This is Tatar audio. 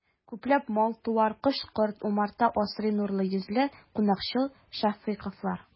Күпләп мал-туар, кош-корт, умарта асрый нурлы йөзле, кунакчыл шәфыйковлар.